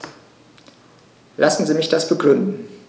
Lassen Sie mich das begründen.